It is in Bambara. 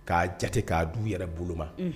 K'a jate k'a d'u yɛrɛ bolo ma unh